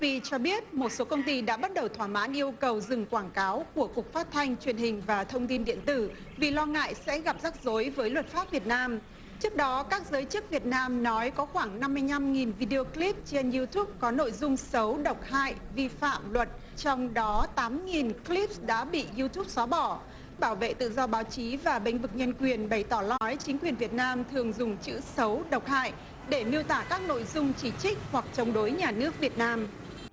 vi cho biết một số công ty đã bắt đầu thỏa mãn yêu cầu dừng quảng cáo của cục phát thanh truyền hình và thông tin điện tử vì lo ngại sẽ gặp rắc rối với luật pháp việt nam trước đó các giới chức việt nam nói có khoảng năm mươi nhăm nghìn vi đi ô cờ líp trên iu túp có nội dung xấu độc hại vi phạm luật trong đó tám nghìn cờ líp đã bị iu túp xóa bỏ bảo vệ tự do báo chí và bênh vực nhân quyền bày tỏ nói chính quyền việt nam thường dùng chữ xấu độc hại để miêu tả các nội dung chỉ trích hoặc chống đối nhà nước việt nam